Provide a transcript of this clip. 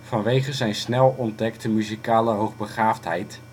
Vanwege zijn snel ontdekte muzikale hoogbegaafdheid